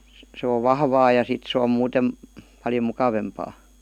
se on vahvaa ja sitten se on muuten paljon mukavampaa